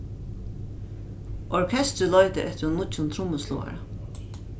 orkestrið leitaði eftir einum nýggjum trummusláara